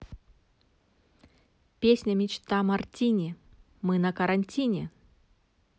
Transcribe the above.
песня мечта мартини мы на карантине